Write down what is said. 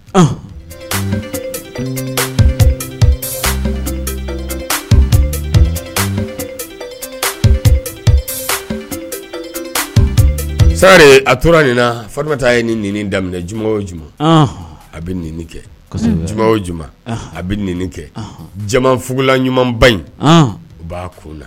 Ri a tora nin fari bɛ taa ye ni daminɛ juma juma a bɛ kɛ juma j a bɛini kɛ jama fugula ɲumanba in u b'a kun na